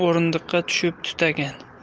o'rindiqqa tushib tutagan